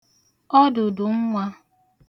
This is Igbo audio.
ọdụ̀dụ̀ nwa.